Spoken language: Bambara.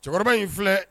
Cɛkɔrɔba in filɛ